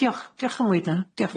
Dioch. Dioch weud 'na, dioch.